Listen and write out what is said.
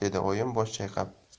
dedi oyim bosh chayqab